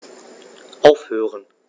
Aufhören.